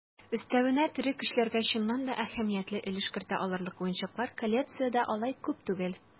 Өстәвенә, тере көчләргә чыннан да әһәмиятле өлеш кертә алырлык уенчылар коалициядә алай күп түгел.